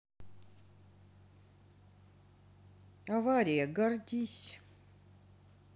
авария гордись